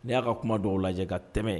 Ne y'a ka kuma dɔw lajɛ ka tɛmɛ